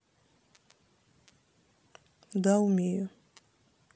да умею